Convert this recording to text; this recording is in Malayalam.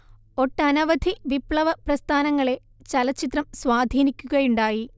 ഒട്ടനവധി വിപ്ലവ പ്രസ്ഥാനങ്ങളെ ചലച്ചിത്രം സ്വാധീനിക്കുകയുണ്ടായി